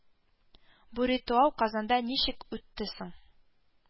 Бу ритуал Казанда ничек үтте соң